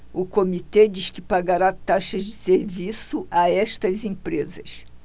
o comitê diz que pagará taxas de serviço a estas empresas